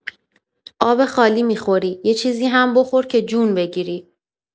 آب خالی می‌خوری، یه چیزی هم بخور که جون بگیری.